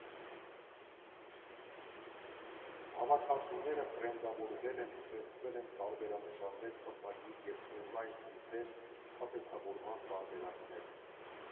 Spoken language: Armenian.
Հավաքածուները բրենդավորվել են, ստեղծվել են տարբերանշաններ, տպագիր և օնլայն նյութեր, փաթեթավորման տարբերակներ։